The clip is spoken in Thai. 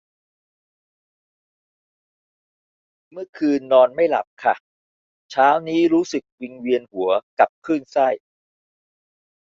เมื่อคืนนอนไม่หลับค่ะเช้านี้รู้สึกวิงเวียนหัวกับคลื่นไส้